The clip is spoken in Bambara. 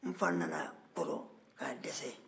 nfa nana kɔrɔ k'a dɛsɛ